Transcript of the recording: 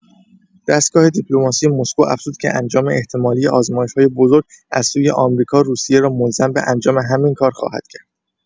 دستگاه دیپلماسی مسکو افزود که انجام احتمالی «آزمایش‌های بزرگ» از سوی آمریکا روسیه را «ملزم به انجام همین کار خواهد کرد».